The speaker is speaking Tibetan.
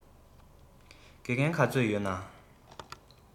དགེ རྒན ག ཚོད ཡོད ན